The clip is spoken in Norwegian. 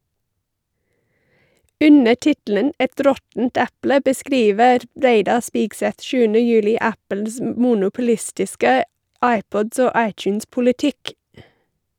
Under tittelen «Et råttent eple» beskriver Reidar Spigseth 7. juli Apples monopolistiske iPod- og iTunes-politikk.